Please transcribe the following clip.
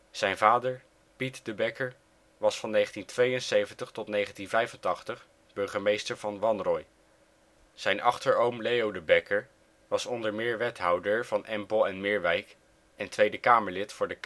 Zijn vader, Piet de Bekker, was van 1972 tot 1985 burgemeester van Wanroij. Zijn achteroom Leo de Bekker was onder meer wethouder van Empel en Meerwijk en Tweede Kamerlid voor de